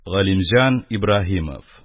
Галимҗан Ибраһимов